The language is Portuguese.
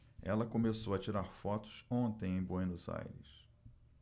ela começou a tirar fotos ontem em buenos aires